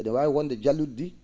ina waawi wonde jallu?i ?ii